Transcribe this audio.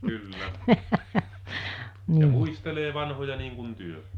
kyllä ja muistelee vanhoja niin kuin te